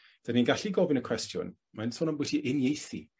'dyn ni'n gallu gofyn y cwestiwn, mae'n sôn ambwti uniaethu.